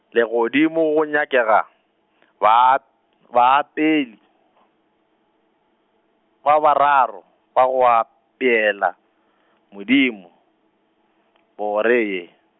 legodimong go nyakega, baa-, baapei, ba bararo, ba go apeela , Modimo, bore ye.